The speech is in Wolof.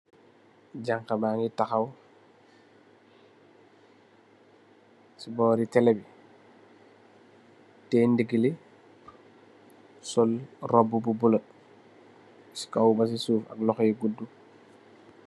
Janxa baa ngi taxaw, si boori tele bi, tiyee ndiggë li sol robbu bu bulo, si kow baa si suuf loxo yu bulo.